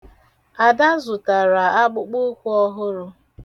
Ada zụtara akpụkpụụkwụ ọhụrụ.